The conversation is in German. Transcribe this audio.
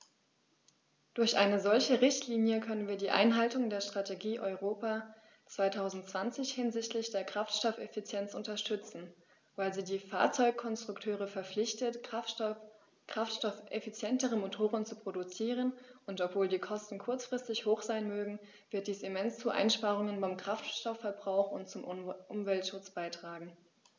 Durch eine solche Richtlinie können wir die Einhaltung der Strategie Europa 2020 hinsichtlich der Kraftstoffeffizienz unterstützen, weil sie die Fahrzeugkonstrukteure verpflichtet, kraftstoffeffizientere Motoren zu produzieren, und obwohl die Kosten kurzfristig hoch sein mögen, wird dies immens zu Einsparungen beim Kraftstoffverbrauch und zum Umweltschutz beitragen.